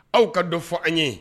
Aw ka dɔ fɔ an ye